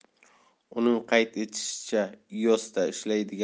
uning qayd etishicha ios'da ishlaydigan